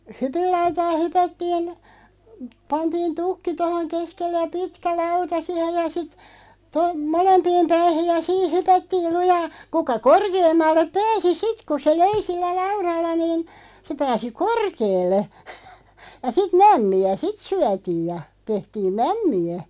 hypinlautaa hypättiin pantiin tukki tuohon keskelle ja pitkä lauta siihen ja sitten - molempiin päihin ja siinä hypättiin lujaa kuka korkeammalle pääsi sitten kun se löi sillä laudalla niin se pääsi korkealle ja sitten mämmiä sitten syötiin ja tehtiin mämmiä